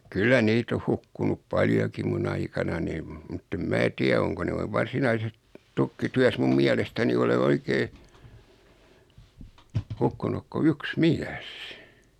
kyllä niitä on hukkunut paljonkin minun aikanani mutta en minä tiedä onko noin varsinaisessa tukkityössä minun mielestäni ole oikein hukkunut kuin yksi mies